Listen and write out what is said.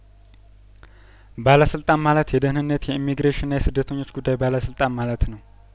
ባለስልጣን ማለት የደህንነት የኢሚግሬሽንና የስደተኞች ጉዳይባለስልጣን ማለት ነው